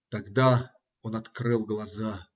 Тогда он открыл глаза.